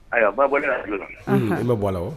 Ayiwa a' bɔ n bɛ bɔ a la wa